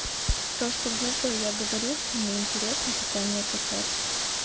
то что глупое я говорю что мне интересно питание котят